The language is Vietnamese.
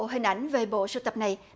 hình ảnh về bộ sưu tập này